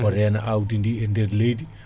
o reena awdi ɗi e nder leeydi